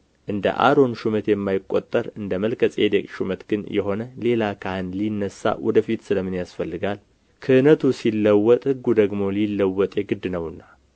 እንደ አሮን ሹመት የማይቈጠር እንደ መልከ ጼዴቅ ሹመት ግን የሆነ ሌላ ካህን ሊነሳ ወደፊት ስለ ምን ያስፈልጋል ክህነቱ ሲለወጥ ሕጉ ደግሞ ሊለወጥ የግድ ነውና